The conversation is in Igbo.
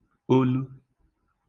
olu